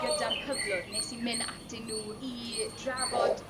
gyda'r cyflwr nes i myn' atyn n'w i drafod